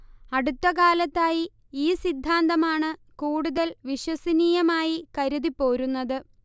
അടുത്ത കാലത്തായി ഈ സിദ്ധാന്തമാണ് കൂടുതൽ വിശ്വസനീയമായി കരുതിപ്പോരുന്നത്